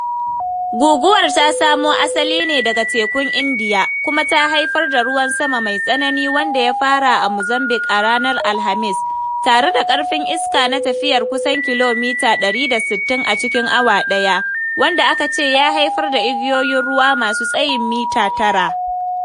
Guguwar ta samo asali ne daga Tekun Indiya, kuma ta haifar da ruwan sama mai tsanani wanda ya fara a Mozambique a ranar Alhamis, tare da ƙarfin iska na tafiyar kusan kilomita 160 a cikin awa ɗaya, wanda aka ce ya haifar da igiyoyin ruwa masu tsayin mita 9.